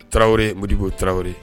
Tarawelere modibugubo tarawelewre